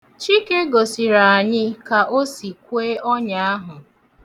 Chike gosiri anyị ka o si kwee ọnya ahụ.